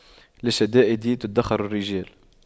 للشدائد تُدَّخَرُ الرجال